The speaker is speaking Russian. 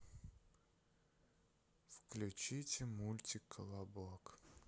включите мультик колобок